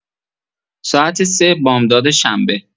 ساعت ۳: ۰۰ بامداد شنبه.